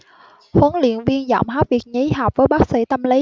huấn luyện viên giọng hát việt nhí học với bác sỹ tâm lý